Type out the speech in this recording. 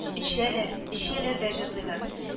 Эчәләр, эчәләр дә җырлыйлар